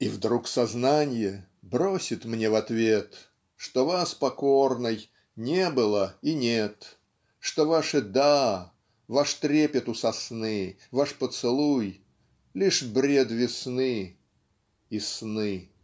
И вдруг сознанье бросит мне в ответ Что вас покорной не было и нет Что ваше "да" ваш трепет у сосны Ваш поцелуй лишь бред весны и сны.